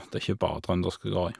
Det er ikke bare trøndersk det går i.